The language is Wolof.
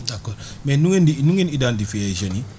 d' accord mais nu ngeen di nu ngeen di identifier jeunes yi